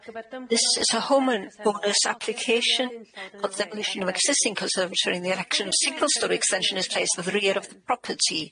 This is a home and bonus application of the demolition of an existing conservatory in the erection of single storey extension is placed at the rear of the property.